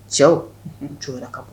Cɛw jɔyɔrɔ kan